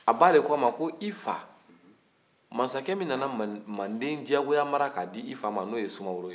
a ba de k'a ma i fa masakɛ min nana manden diyagoya maara k'a d'i fa ma n'o ye sumaworo